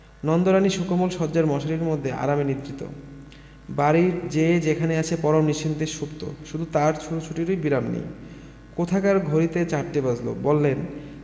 নন্দরানী সুকোমল শয্যায় মশারির মধ্যে আরামে নিদ্রিত বাড়ির যে যেখানে আছে পরম নিশ্চিন্তে সুপ্ত শুধু তাঁর ছুটোছুটিরই বিরাম নেই কোথাকার ঘড়িতে চারটে বাজলো বললেন